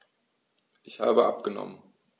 Ich habe abgenommen.